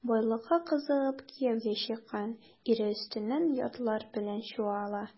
Байлыкка кызыгып кияүгә чыккан, ире өстеннән ятлар белән чуала.